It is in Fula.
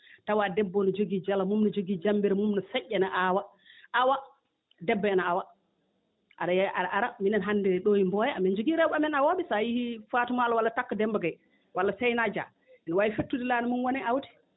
tawa debbo o no jogii jalo mum ne jogii jambere mum ne feƴƴa no aawa awa debbo ene awa aɗa ara minen hannde ɗoo e Mboya emin jogii rewɓe amen awooɓe so a yehii Fatou Mall walla Tacko Demba Gaye walla Seyna Dia no waawi fettude laana mum wona e aawde